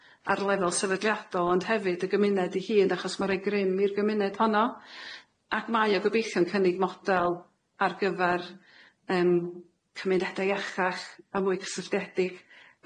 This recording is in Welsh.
ar lefel sefydliadol ond hefyd y gymuned ei hun achos ma'n roi grym i'r gymuned honno ac mae o gobeithio'n cynnig model ar gyfar yym cymunedau iachach a mwy cysylltiedig.